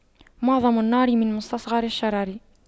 معظم النار من مستصغر الشرر